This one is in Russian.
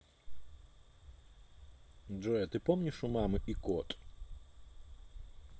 джой а ты помнишь у мамы и кот